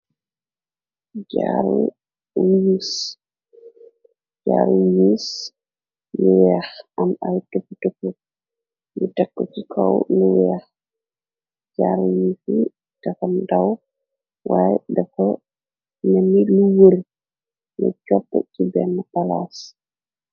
Jaaru wiss jaaru wis yu weex am ay topp topp lu tekk gu ci kaw lu weex jaaru wissi dafa ndaw waay dafa melni lu wuri nu tek ko ci bena palaas.